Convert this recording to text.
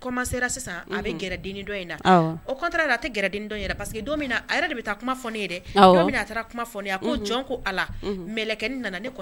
Commencer ra sisan unhun a be gɛrɛ denni dɔ in na awɔ au contraire a te gɛrɛ denni dɔn in yɛrɛ la parce que don minna a yɛrɛ de be taa kuma fɔ ne ye dɛ awɔ don minna a taara kuma fɔ ne ye unhun a ko jɔn ko Ala unhun mɛlɛkɛni nana ne kɔn